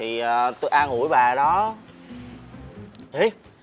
thì tôi an ủi bà đó ê